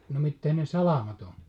no mitä ne salamat on